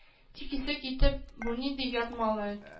Тик исе китеп, бу нинди ят малай